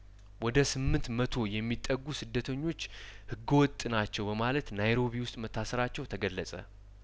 ወደ ስምንት መቶ የሚጠጉ ስደተኞች ህገወጥ ናቸው በማለት ናይሮቢ ውስጥ መታሰራቸው ተገለጸ